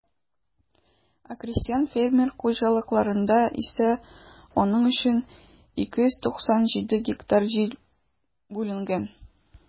Ә крестьян-фермер хуҗалыкларында исә аның өчен 297 гектар җир бүленгән.